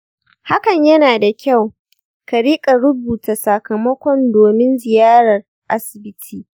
hakan yana da kyau; ka riƙa rubuta sakamakon domin ziyarar asibiti.